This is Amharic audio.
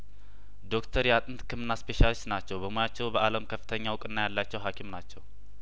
ዶክተር የአጥንት ህክምና ስፔሻሊ ስት ናቸው በሙያቸው በአለም ከፍተኛ እውቅና ያላቸው ሀኪም ናቸው